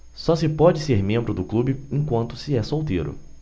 só se pode ser membro do clube enquanto se é solteiro